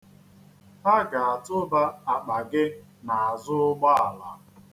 Ha ga-atụba akpa gị n'azụ ụgbọala.